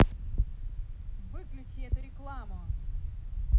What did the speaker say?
выключи эту рекламу